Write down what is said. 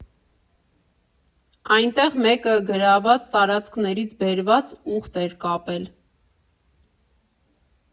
Այնտեղ մեկը գրաված տարածքներից բերված ուղտ էր կապել։